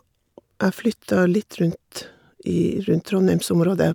Jeg flytta litt rundt i rundt Trondheimsområdet.